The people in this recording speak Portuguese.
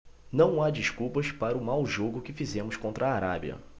não há desculpas para o mau jogo que fizemos contra a arábia